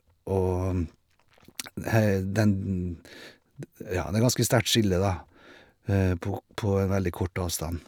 Og den dn d ja, det er ganske sterkt skille, da, på k på en veldig kort avstand.